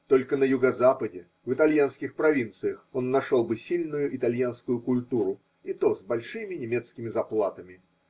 Только на юго-западе, в итальянских провинциях, он нашел бы сильную итальянскую культуру – и то с большими немецкими заплатами